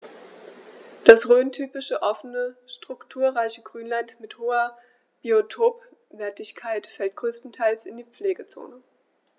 Das rhöntypische offene, strukturreiche Grünland mit hoher Biotopwertigkeit fällt größtenteils in die Pflegezone.